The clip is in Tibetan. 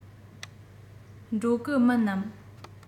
འགྲོ གི མིན ནམ